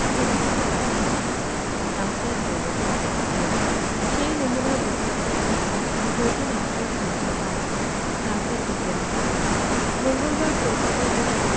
পৃথিবীতে পাঠিয়ে চলেছে নাসার রোবোট রোভার সেই নমুনা বিস্লেষন করেই নতুন আশার সঞ্চার হয়েছে নাসার বিজ্ঞানীদের মনে মঙ্গলবার কলকাতায় বসে